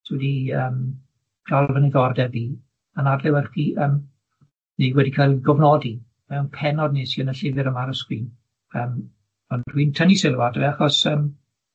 sy wedi yym dal fy niddordeb i yn adlewyrchu yym neu wedi cael gofnodi mewn pennod nes i yn y llyfyr yma ar y sgrin yym ond dwi'n tynnu sylw ato fe achos yym